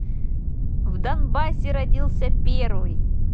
в донбассе родился первый